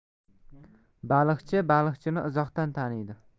baliqchi baliqchini uzoqdan taniydi